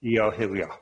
I ohirio.